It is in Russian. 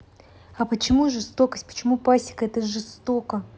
а почему жестокость почему пасека это жестоко